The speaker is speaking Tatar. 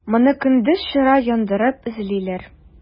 Моны көндез чыра яндырып эзлиләр.